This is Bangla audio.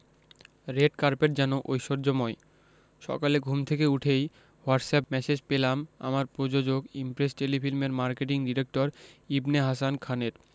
রেড কার্পেট যেন ঐশ্বর্যময় সকালে ঘুম থেকে উঠেই হোয়াটসঅ্যাপ ম্যাসেজ পেলাম আমার প্রযোজক ইমপ্রেস টেলিফিল্মের মার্কেটিং ডিরেক্টর ইবনে হাসান খানের